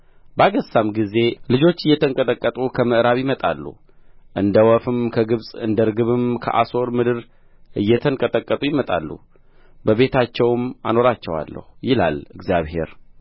ባገሣም ጊዜ ልጆች እየተንቀጠቀጡ ከምዕራብ ይመጣሉ እንደ ወፍም ከግብጽ እንደ ርግብም ከአሦር ምድር እየተንቀጠቀጡ ይመጣሉ በቤታቸውም አኖራቸዋለሁ ይላል እግዚአብሔር